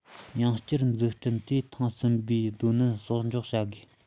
ཡང བསྐྱར འཛུགས སྐྲུན དུས ཐེངས ༥༥ པའི ཀྱི རྡོ སྣུམ གསོག འཇོག བྱ དགོས